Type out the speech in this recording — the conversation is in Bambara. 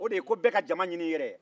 o de ye ko bɛɛ ka cama ɲini i yɛrɛ ye